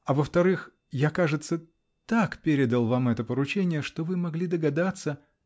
а, во-вторых, -- я, кажется, так передал вам это поручение, что вы могли догадаться.